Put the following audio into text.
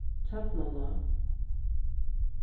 tjarnarlág